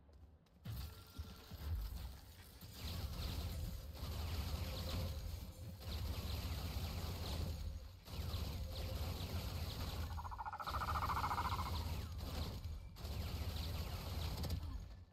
Waa ubax midabkiisu yahay cagaar waxa uu saaran yahay meel cadaan waxa uu ku jiraa geed madow ah